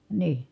niin